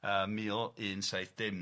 Yy mil un saith dim.